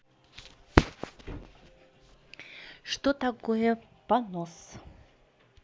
что такое понос